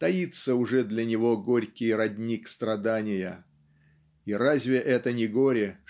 таится уже для него горький родник страдания и разве это не горе